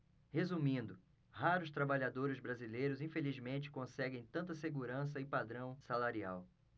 resumindo raros trabalhadores brasileiros infelizmente conseguem tanta segurança e padrão salarial